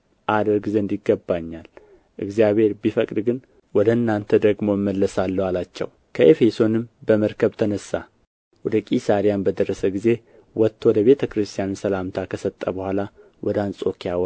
አደርግ ዘንድ ይገባኛል እግዚአብሔር ቢፈቅድ ግን ወደ እናንተ ደግሞ እመለሳለሁ አላቸው ከኤፌሶንም በመርከብ ተነሣ ወደ ቂሣርያም በደረሰ ጊዜ ወጥቶ ለቤተ ክርስቲያን ሰላምታ ከሰጠ በኋላ ወደ አንጾኪያ ወረደ